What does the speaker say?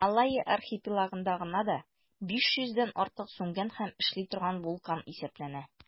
Малайя архипелагында гына да 500 дән артык сүнгән һәм эшли торган вулкан исәпләнә.